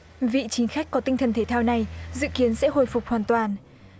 vị chính khách có tinh thần thể thao này dự kiến sẽ hồi phục hoàn toàn